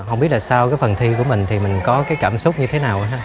không biết là sau cái phần thi của mình thì mình có cái cảm xúc như thế nào ha